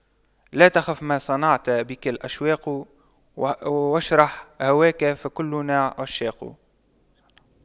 لا تخف ما صنعت بك الأشواق واشرح هواك فكلنا عشاق